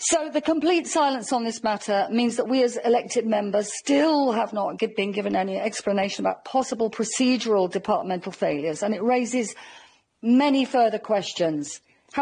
So the complete silence on this matter means that we as elected members still have not gi- been given any explanation about possible procedural departmental failures and it raises many further questions.